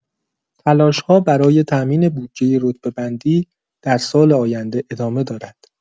تلاش‌ها برای تامین بودجه رتبه‌بندی در سال آینده ادامه دارد.